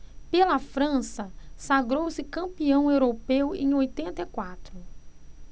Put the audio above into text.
pela frança sagrou-se campeão europeu em oitenta e quatro